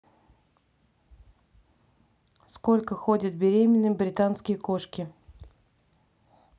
сколько ходят беременными британские кошки